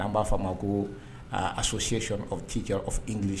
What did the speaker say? An b'a f' ma ko a so siy aw cijalisi